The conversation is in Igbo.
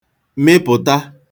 mịpụ̀ta